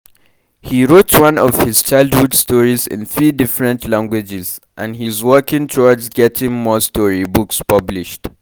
He wrote one of his childhood stories in 3 different languages, and he's working towards getting more storybooks published.